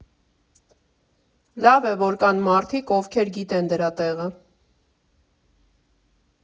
Լավ է, որ կան մարդիկ, ովքեր գիտեն դրա տեղը։